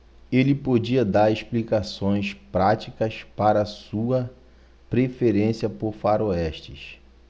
ele podia dar explicações práticas para sua preferência por faroestes